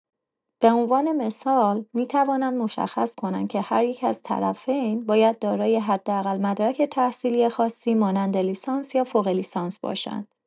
به‌عنوان مثال، می‌توانند مشخص کنند که هر یک از طرفین باید دارای حداقل مدرک تحصیلی خاصی مانند لیسانس یا فوق‌لیسانس باشند.